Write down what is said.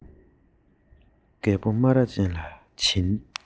རྒད པོ སྨ ར ཅན ལ བྱིན